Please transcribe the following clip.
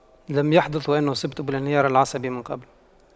لم يحدث وأن أصبت بالانهيار العصبي من قبل